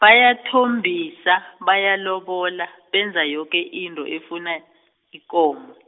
bayathombisa bayalobola benza yoke into efuna, ikomo.